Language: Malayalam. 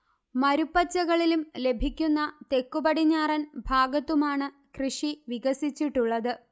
മരുപ്പച്ചകളിലും ലഭിക്കുന്ന തെക്കുപടിഞ്ഞാറൻ ഭാഗത്തുമാണ് കൃഷി വികസിച്ചിട്ടുള്ളത്